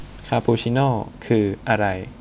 คาปูชิโน่คืออะไร